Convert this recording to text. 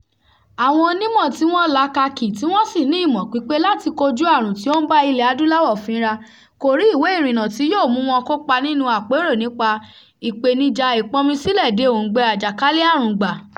Àwọn onímọ̀ tí wọ́n lakakì tí wọ́n sì ní ìmọ̀ pípé láti kojúu àrùn tí ó ń bá ilẹ̀ adúláwọ̀ fínra, kò rí ìwé ìrìnnà tí yóò mú wọn kópa nínúu àpérò nípa “ìpèníjà ìpọnmisílẹ̀-de-oǹgbẹ àjàkálẹ̀ àrùn” gbà.